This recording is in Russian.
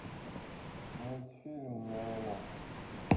мультфильм немо